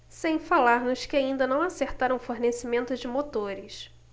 sem falar nos que ainda não acertaram o fornecimento de motores